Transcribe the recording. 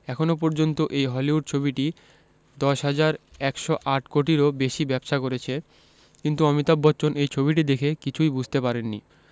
এখনও পর্যন্ত এই হলিউড ছবিটি ১০১০৮ কোটিরও বেশি ব্যবসা করেছে কিন্তু অমিতাভ বচ্চন এই ছবিটি দেখে কিছুই বুঝতে পারেননি